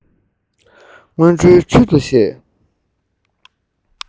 སྔོན འགྲོའི ཚུལ དུ བཤད